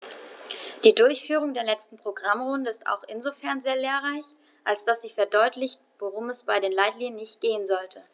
Die Durchführung der letzten Programmrunde ist auch insofern sehr lehrreich, als dass sie verdeutlicht, worum es bei den Leitlinien nicht gehen sollte.